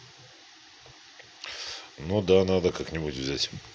ну да надо как нибудь взять